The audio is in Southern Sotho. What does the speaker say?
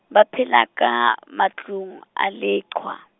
ba phela ka, matlung a leqhwa.